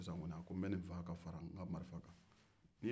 a ko n bɛ nin faa ka fara n ka marifa kan